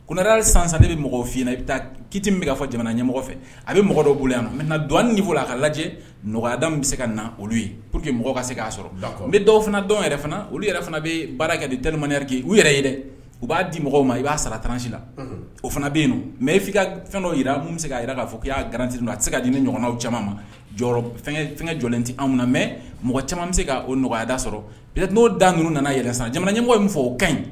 Ko nada san de bɛ mɔgɔ fiɲɛ i bɛ taa ki min' fɔ jamana ɲɛmɔgɔ fɛ a bɛ mɔgɔ dɔw bolo yan mɛ don fɔ a ka lajɛ nɔgɔya bɛ se ka na olu ye pur que mɔgɔ ka se k'a sɔrɔ n bɛ dɔw fana dɔn yɛrɛ fana olu yɛrɛ fana bɛ baara kɛ ni dɔnnimaniya u yɛrɛ ye dɛ u b'a di mɔgɔw ma i b'a sara tanransi la o fana bɛ yen mɛ i'i ka fɛn dɔw yi bɛ se kaa jira k kaa fɔ' i'a garan don a se kaa di ɲɔgɔnw caman ma fɛn jɔ tɛ anw na mɛ mɔgɔ caman bɛ se k o nɔgɔya sɔrɔ n'o da ninnu nana yɛrɛ san jamana ɲɛmɔgɔ in fɔ o ka ɲi